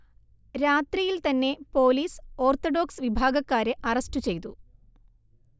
രാത്രിയിൽതന്നെ police orthodox വിഭാഗക്കാരെ arrest ചെയ്തു